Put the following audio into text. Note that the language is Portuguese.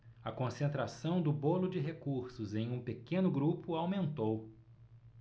a concentração do bolo de recursos em um pequeno grupo aumentou